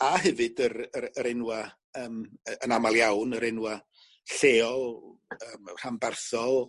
a hefyd yr yr yr enwa' yym yy yn amal iawn yr enwa' lleolyym rhanbarthol.